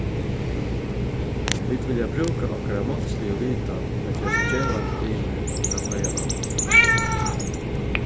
vit vilja brúka okkara málsligu vitan at gerast gevandi limir av føroyalandi